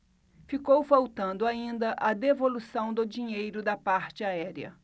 ficou faltando ainda a devolução do dinheiro da parte aérea